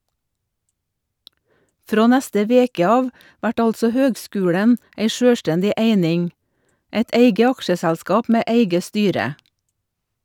Frå neste veke av vert altså høgskulen ei sjølvstendig eining, eit eige aksjeselskap med eige styre.